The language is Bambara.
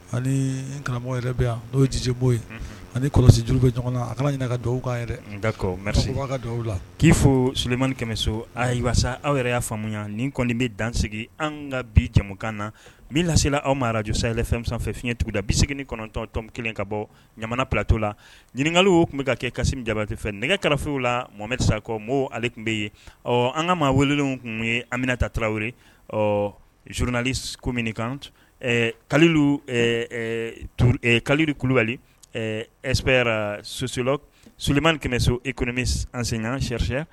Hali yɛrɛ bɛ yan o ye jisebo ye ani kɔlɔsi juru bɛ ɲɔgɔn a ɲininka ka dɔwkan yɛrɛ dɔw la k'i fo solimani kɛmɛso ayiwa waa aw yɛrɛ y'a faamuya nin kɔni bɛ dan sigi an ka bi cɛmankan na nlasila aw' araj say fɛn sanfɛ fiɲɛɲɛ tuguda bi segin kɔnɔntɔntɔn kelen ka bɔ ɲamana platɔ la ɲininkaka o tun bɛ ka kɛ kasi jabate fɛ nɛgɛ kɛrafew la mɔme sa kɔ mɔgɔw ale tun bɛ yen ɔ an ka maa welelen tun ye anminata tarawele ɔ zurunli komini kan kalu kari kulubalisp sososolo somani kɛmɛso e kɔnimi an sen sɛc